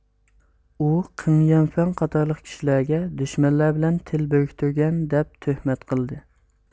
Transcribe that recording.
ئۇ قېڭيەنفەن قاتارلىق كىشلەرگە دۈشمەنلەر بىلەن تىل بىرىكتۈرگەن دەپ تۆھمەت قىلدى